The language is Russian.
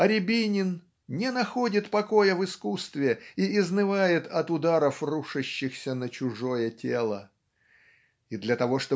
А Рябинин не находит покоя в искусстве и изнывает от ударов рушащихся на чужое тело. И для того